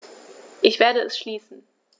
Ich werde es schließen.